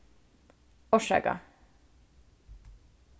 orsaka